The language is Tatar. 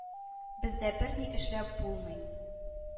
Бездә берни эшләп булмый.